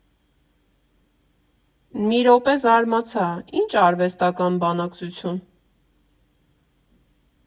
Մի րոպե, զարմացա, ի՞նչ արհեստական բանականություն։